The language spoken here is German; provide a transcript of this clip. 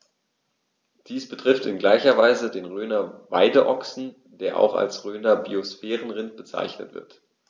Dies betrifft in gleicher Weise den Rhöner Weideochsen, der auch als Rhöner Biosphärenrind bezeichnet wird.